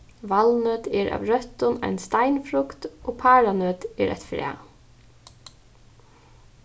valnøt er av røttum ein steinfrukt og paranøt er eitt fræ